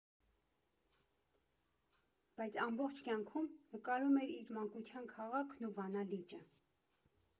Բայց ամբողջ կյանքում նկարում էր իր մանկության քաղաքն ու Վանա լիճը։